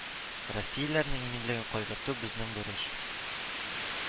Россиялеләрнең иминлеген кайгырту безнең бурыч